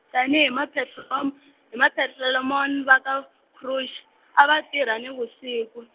tani hi ma petrom-, hi ma petrellemoen- va ka Klux, a va tirha ni vusiku.